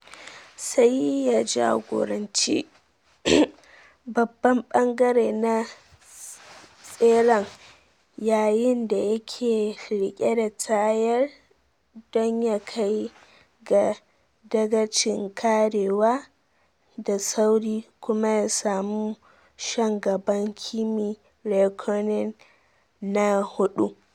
Sai ya jagoranci babban ɓangare na tseren yayin da yake rike da tayar don ya kai ga dagacin karewa da sauri kuma ya samu shan gaban Kimi Raikkonen na hudu.